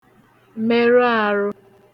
merụ arụ